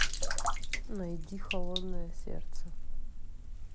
найди холодное сердце